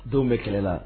Don bɛ kɛlɛ la